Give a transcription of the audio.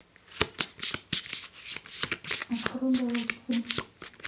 открой голубцы